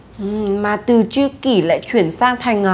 mà từ tri kỷ lại chuyển sang thành